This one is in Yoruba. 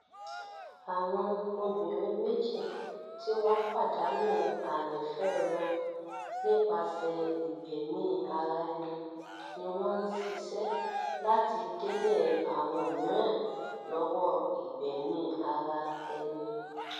Àwọn obìnrin méjì tí wọ́n pàddánù àyànfẹ́ wọn nípaṣẹ́ ìgbẹ́mí ara ẹni ni wọ́n ń ṣiṣẹ́ láti dènà àwọn míràn lọ́wọ́ ìgbẹ̀mí ara ẹni.